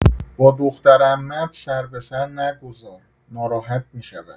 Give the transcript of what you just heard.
با دخترعمه‌ات سر به سر نگذار، ناراحت می‌شود.